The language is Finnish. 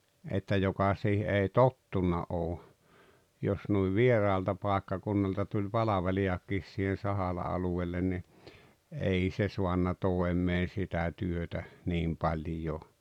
että joka siihen ei tottunut ole jos noin vieraalta paikkakunnalta tuli palvelijakin siihen Sahalan alueelle niin ei se saanut toimeen sitä työtä niin paljon